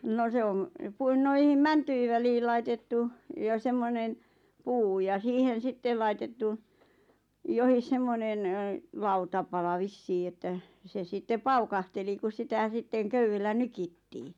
no se on - noihin mäntyjen väliin laitettu ja semmoinen puu ja siihen sitten laitettu johon semmoinen lautapala vissiin että se sitten paukahteli kun sitä sitten köydellä nyittiin